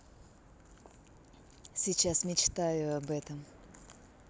сейчас мечтаю об этом